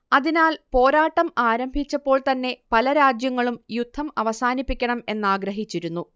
അതിനാൽ പോരാട്ടം ആരംഭിച്ചപ്പോൾ തന്നെ പല രാജ്യങ്ങളും യുദ്ധം അവസാനിപ്പിക്കണം എന്നാഗ്രഹിച്ചിരുന്നു